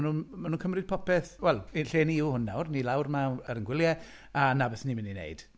Maen nhw maen nhw'n cymryd popeth. "Wel, ein lle ni yw hwn nawr, ni lawr 'ma ar ein gwyliau, a 'na beth ni'n mynd i wneud".